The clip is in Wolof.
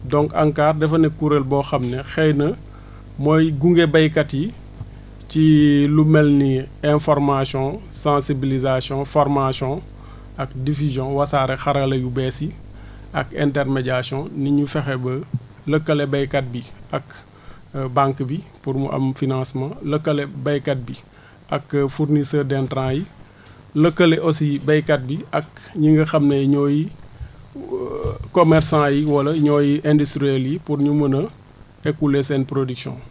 donc ANCAR dafa nekk kuréel boo xam ne xëy na mooy gunge béykat yi ci lu mel ni information sensibilisation formation ak diffusion wasaare xaraa yu bees yi ak intermédiation ni ñu fexe ba lëkkale béykat bi ak banque bi pour mu am financement lëkkale béykat bi ak fournisseur d' intrant yi lëkkale aussi béykat bi ak ñi nga xam ne ñooy commerçants yi wala ñooy industriels yi pour ñu mun a écouler seen production